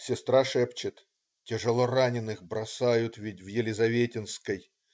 Сестра шепчет: "Тяжелораненых бросают ведь в Елизаветинской.